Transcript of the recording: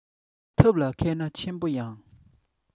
ཐབས ལ མཁས ན ཆེན པོ ཡང